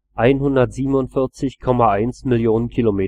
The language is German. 147,1 Mio. km